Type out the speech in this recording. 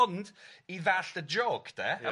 ond i ddallt y jôc, 'de... ia...